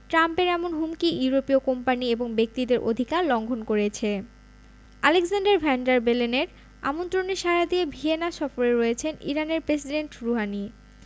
ট্রাম্পের এমন হুমকি ইউরোপীয় কোম্পানি এবং ব্যক্তিদের অধিকার লঙ্ঘন করেছে আলেক্সান্ডার ভ্যান ডার বেলেনের আমন্ত্রণে সাড়া দিয়ে ভিয়েনা সফরে রয়েছেন ইরানের প্রেসিডেন্ট রুহানি